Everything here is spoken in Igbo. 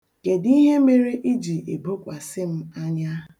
Kedụ ihe mere i ji ebokwasị m anya?